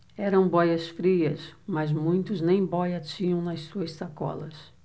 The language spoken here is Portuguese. eram bóias-frias mas muitos nem bóia tinham nas suas sacolas